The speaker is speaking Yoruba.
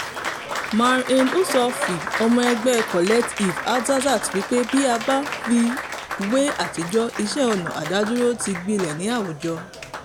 Marouane Youssoufi, ọmọ ẹgbẹ́ Collectif Hardzazat wí pé, "Bí a bá fi wé àtijọ́, iṣẹ́ ọnà adádúró ti gbilẹ̀ ní àwùjọ".